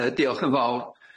Yy diolch yn fawr.